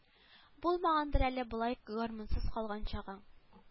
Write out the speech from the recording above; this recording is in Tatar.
Булмагандыр әле болай гармунсыз калган чагың